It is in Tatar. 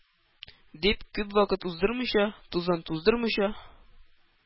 — дип, күп вакыт уздырмыйча, тузан туздырмыйча,